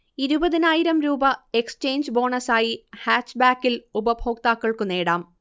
ഇരുപതിനായിരം രൂപ എക്സ്ചേഞ്ച് ബോണസായി ഹാച്ച്ബാക്കിൽ ഉപഭോക്താക്കൾക്ക് നേടാം